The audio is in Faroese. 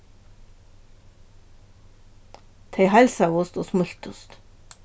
tey heilsaðust og smíltust